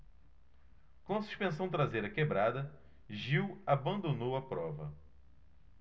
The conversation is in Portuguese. com a suspensão traseira quebrada gil abandonou a prova